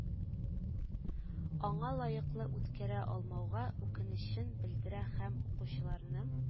Аңа лаеклы үткәрә алмауга үкенечен белдерә һәм укучыларны